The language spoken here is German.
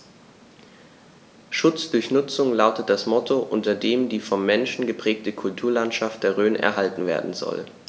„Schutz durch Nutzung“ lautet das Motto, unter dem die vom Menschen geprägte Kulturlandschaft der Rhön erhalten werden soll.